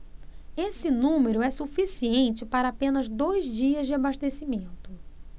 esse número é suficiente para apenas dois dias de abastecimento